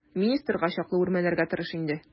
Министрга чаклы үрмәләргә тырыш инде.